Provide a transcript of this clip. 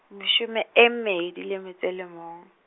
mashome e mmedi le metso e le mong.